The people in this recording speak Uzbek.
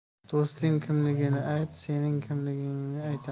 do'sting kimligini ayt sening kimligingni aytaman